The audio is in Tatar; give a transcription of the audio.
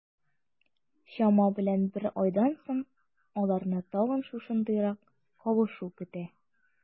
Чама белән бер айдан соң, аларны тагын шушындыйрак кавышу көтә.